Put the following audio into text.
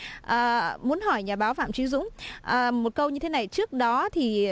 à muốn hỏi nhà báo phạm chí dũng à một câu như thế này trước đó thì